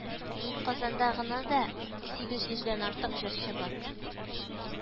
Казанда гына да сигез йөздән артык җырчы бар